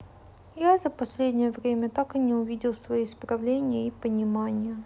я за последнее время так и не увидел свои исправления и понимание